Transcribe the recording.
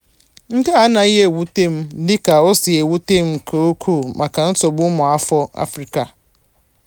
Nke a anaghị ewute m dịka o si ewute m nke ukwuu maka nsogbu ụmụafọ Afrịka na-enwe ime njem n'ime Afrịka.